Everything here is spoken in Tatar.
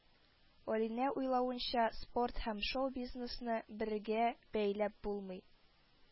Алинә уйлавынча, спорт һәм шоу-бизнесны бергә бәйләп булмый